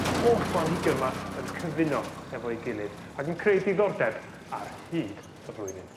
holl blanhigion 'ma yn cyfuno hefo'i gilydd ac yn creu diddordeb ar hyd y flwyddyn.